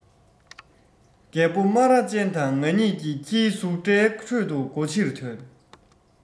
རྒད པོ སྨ ར ཅན དང ང གཉིས ཁྱིའི ཟུག སྒྲའི ཁྲོད དུ སྒོ ཕྱིར ཐོན